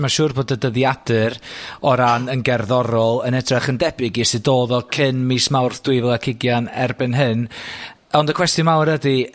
Ma'n siŵr fod dy dyddiadur, o ran yn gerddorol, yn edrych yn debyg i sud odd o cyn mis Mawrth dwy fil ac ugian erbyn hyn. Ond y cwestiwn mawr ydi...